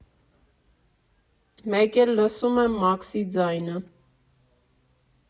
Մեկ էլ լսում եմ Մաքսի ձայնը.